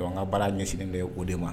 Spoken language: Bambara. Dɔnku an ka baara ɲɛsin bɛ o de ma